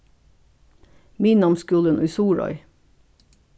miðnámsskúlin í suðuroy